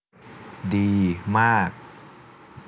ดีมาก